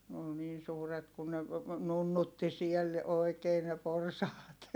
ne oli niin suuret kun ne nunnutti siellä oikein ne porsaat